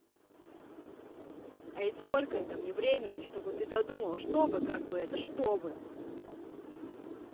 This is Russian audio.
а и сколько это мне времени чтобы ты додумал чтобы как бы это чтобы